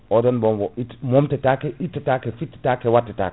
oɗon bon itte momte take itte take fitte take watte take